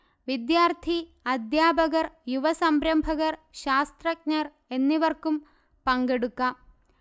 വിദ്യാർത്ഥി അധ്യാപകർ യുവസംരംഭകർ ശാസ്ത്രജ്ഞർ എന്നിവർക്കും പങ്കെടുക്കാം